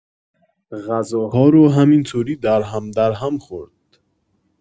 غذاها رو همینطوری درهم درهم خورد